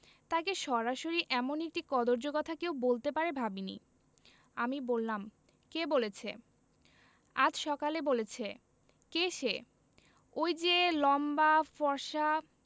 তাকে সরাসরি এমন একটি কদৰ্য কথা কেউ বলতে পারে ভাবিনি আমি বললাম কে বলেছে আজ সকালে বলেছে কে সে ঐ যে লম্বা ফর্সা